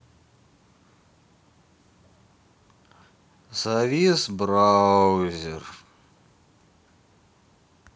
завис браузер